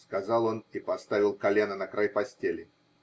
-- сказал он и поставил колено на край постели.